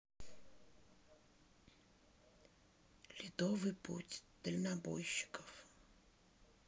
ледовый путь дальнобойщиков